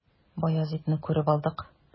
Баязитны күреп алдык.